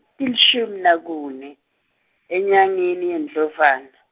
tilishumi nakune, enyangeni yeNdlovana.